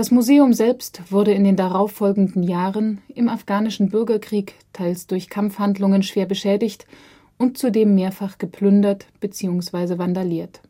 Museum selbst wurde in den darauffolgenden Jahren im afghanischen Bürgerkrieg teils durch Kampfhandlungen schwer beschädigt und zudem mehrfach geplündert beziehungsweise vandaliert